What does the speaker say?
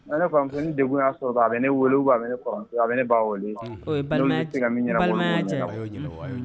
Ne fa dekun y'a a bɛ ne wolo ne